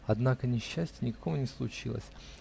Однако несчастия никакого не случилось